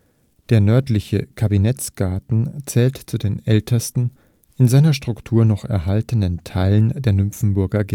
Der Nördliche Kabinettsgarten zählt zu den ältesten, in seiner Struktur noch erhaltenen Teilen der Nymphenburger